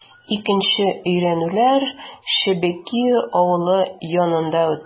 Икенче өйрәнүләр Шебекиио авылы янында үтте.